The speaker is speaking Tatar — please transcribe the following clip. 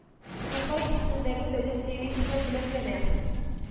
Тукай исемендәге Дәүләт премиясе белән бүләкләнә